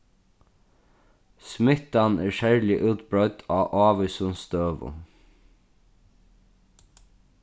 smittan er serliga útbreidd á ávísum støðum